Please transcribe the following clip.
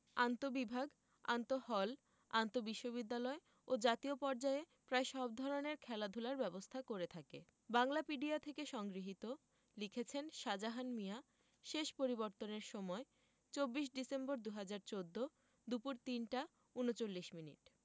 আন্তঃবিভাগ আন্তঃহল আন্তঃবিশ্ববিদ্যালয় ও জাতীয় পর্যায়ে প্রায় সব ধরনের খেলাধুলার ব্যবস্থা করে থাকে বাংলাপিডিয়া থেকে সংগৃহীত লিখেছেনঃ সাজাহান মিয়া শেষ পরিবর্তনের সময় ২৪ ডিসেম্বর ২০১৪ দুপুর ৩টা ৩৯মিনিট